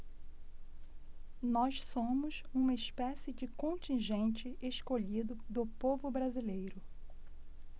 nós somos uma espécie de contingente escolhido do povo brasileiro